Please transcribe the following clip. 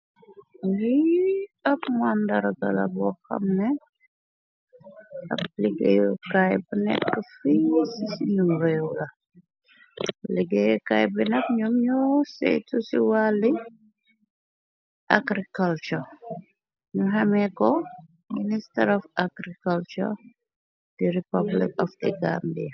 Li ab mondarga la boo xamne ab liggéu crybe nekk fi ci ci ñu réewu la liggéey kay binax ñum ñoo saytu ci wàlli agriculture ñu xamee ko minister of agriculture di republic of thi gandia.